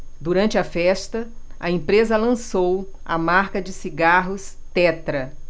durante a festa a empresa lançou a marca de cigarros tetra